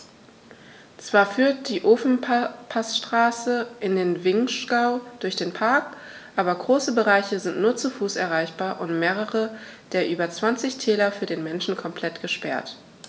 Zwar führt die Ofenpassstraße in den Vinschgau durch den Park, aber große Bereiche sind nur zu Fuß erreichbar und mehrere der über 20 Täler für den Menschen komplett gesperrt.